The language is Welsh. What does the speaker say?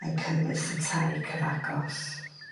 yn cynnwys y tai cyfagos